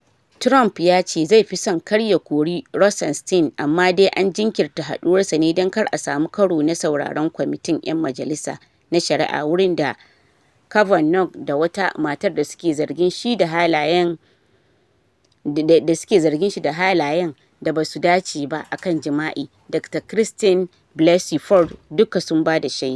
Trump ya ce zai “fi son kar” ya kori Rosenstein amma dai an jinkirta haduwar ne dan kar a samu karo da sauraron kwamitin ‘yan majalisa na Shari’a wurin da Kavanaugh da wata matar da suke zargin shi da halayen da ba su dace ba akan jima’i, Dr Christine Blasey Ford, dukka sun bada shaida.